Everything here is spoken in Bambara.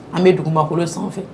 An bɛ dugubakolo sanfɛ